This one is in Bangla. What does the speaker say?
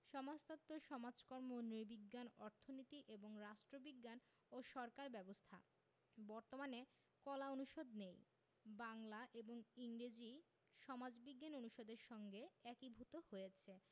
সমাজতত্ত্ব সমাজকর্ম নৃবিজ্ঞান অর্থনীতি এবং রাষ্ট্রবিজ্ঞান ও সরকার ব্যবস্থা বর্তমানে কলা অনুষদ নেই বাংলা এবং ইংরেজি সমাজবিজ্ঞান অনুষদের সঙ্গে একীভূত হয়েছে